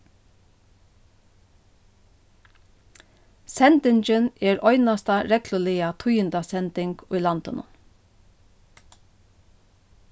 sendingin er einasta regluliga tíðindasending í landinum